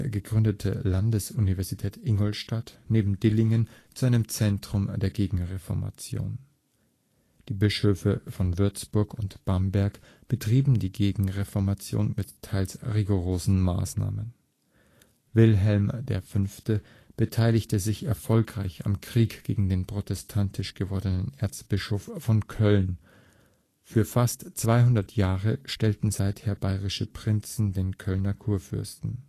gegründete Landesuniversität Ingolstadt neben Dillingen zu einem Zentrum der Gegenreformation. Die Bischöfe von Würzburg und Bamberg betrieben die Gegenreformation mit teils rigorosen Maßnahmen. Wilhelm V. beteiligte sich erfolgreich am Krieg gegen den protestantisch gewordenen Erzbischof von Köln, für fast zweihundert Jahre stellten seither bayerische Prinzen den Kölner Kurfürsten